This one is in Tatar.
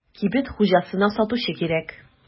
Кибет хуҗасына сатучы кирәк.